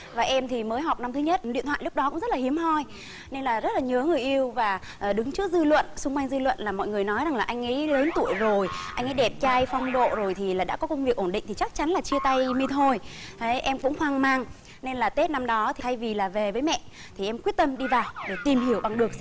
và em thì mới học năm thứ nhất điện thoại lúc đó có rất là hiếm hoi nên là rất là nhớ người yêu và đứng trước dư luận xung quanh dư luận là mọi người nói rằng là anh ấy lớn tuổi rồi anh ấy đẹp trai phong độ rồi thì là đã có công việc ổn định thì chắc chắn là chia tay mi thôi ấy em cũng hoang mang nên là tết năm đó thay vì là về với mẹ thì em quyết tâm đi vào để tìm hiểu bằng được